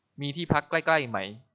มีที่พักใกล้ใกล้ไหม